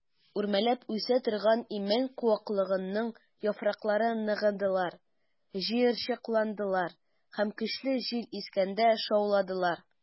Үрмәләп үсә торган имән куаклыгының яфраклары ныгыдылар, җыерчыкландылар һәм көчле җил искәндә шауладылар.